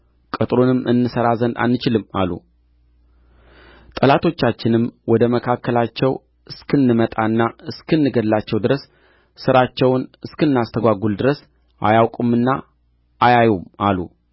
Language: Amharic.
ቅጥሩንም እንሠራ ዘንድ አንችልም አሉ ጠላቶቻችንም ወደ መካከላቸው እስክንመጣና እስክንገድላቸው ድረስ ሥራቸውንም እስክናስተጓጕል ድረስ አያውቁምና አያዩም አሉ